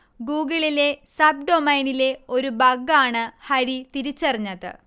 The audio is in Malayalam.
ഗൂഗിളിലെ സബ് ഡൊമൈനിലെ ഒരു ബഗ് ആണ് ഹരി തിരിച്ചറിഞ്ഞത്